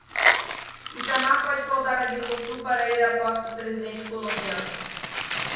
itamar pode faltar a mercosul para ir à posse do presidente colombiano